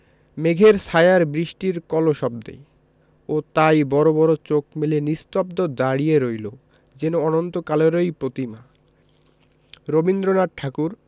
মেঘের ছায়ায় বৃষ্টির কলশব্দে ও তাই বড় বড় চোখ মেলে নিস্তব্ধ দাঁড়িয়ে রইল যেন অনন্তকালেরই প্রতিমা রবীন্দ্রনাথ ঠাকুর